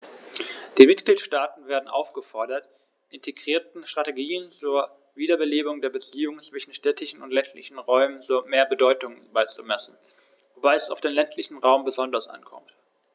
Die Mitgliedstaaten werden aufgefordert, integrierten Strategien zur Wiederbelebung der Beziehungen zwischen städtischen und ländlichen Räumen mehr Bedeutung beizumessen, wobei es auf den ländlichen Raum besonders ankommt.